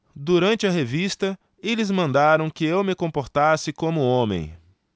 durante a revista eles mandaram que eu me comportasse como homem